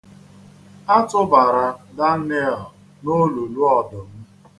A tụbara Daniel n'olulu ọdụm.